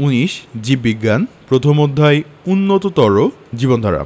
১৯ জীববিজ্ঞান প্রথম অধ্যায় উন্নততর জীবনধারা